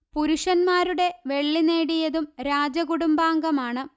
പുരുഷന്മാരുടെ വെള്ളി നേടിയതും രാജകുടുംബാംഗമാണ്